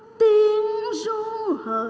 tiếng ru hời